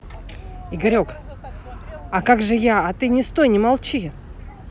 игорек а как же я а ты не стой не молчи